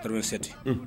Re yesɛti